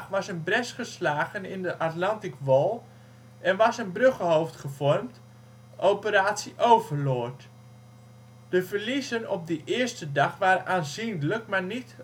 was een bres geslagen in de Atlantik wall en was een bruggenhoofd gevormd (operatie Overlord). De verliezen op die eerste dag waren aanzienlijk, maar niet